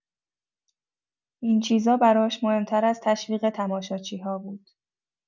این چیزا براش مهم‌تر از تشویق تماشاچی‌ها بود.